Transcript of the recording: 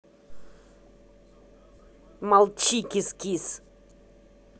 молчи кис кис